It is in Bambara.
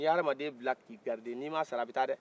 ni ye hadama bila k'i garde ni ma sara a bɛ taa dɛ